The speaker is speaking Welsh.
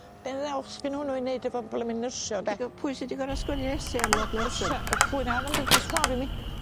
be' ddiawl s'gen wnnw i neud efo blwmin nyrsio de? Pwy sy 'di gorod sgwennu essay am Lord Nelson? Yy pwy 'na o'dd yn byw dros ffor i mi.